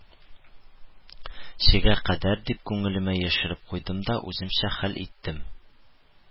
Чегә кадәр дип күңелемә яшереп куйдым да үземчә хәл иттем